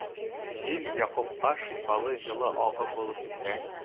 Җил Якупка шифалы җылы агым булып исә.